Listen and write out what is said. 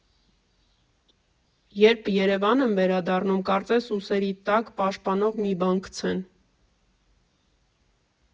Երբ Երևան եմ վերադառնում, կարծես ուսերիդ տաք, պաշտպանող մի բան գցեն։